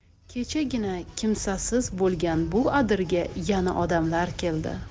kechagina kimsasiz bo'lgan bu adirga yana odamlar keldi